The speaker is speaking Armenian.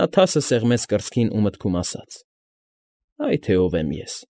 Նա թասը սեղմեց կրծքին ու մտքում ասաց. «Այ թե ով եմ ես։